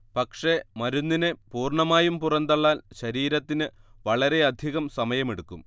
പക്ഷേ മരുന്നിനെ പൂർണ്ണമായും പുറന്തള്ളാൻ ശരീരത്തിന് വളരെയധികം സമയമെടുക്കും